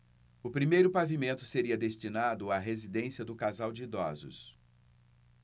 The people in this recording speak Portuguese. o primeiro pavimento seria destinado à residência do casal de idosos